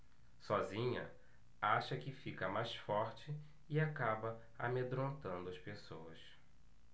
sozinha acha que fica mais forte e acaba amedrontando as pessoas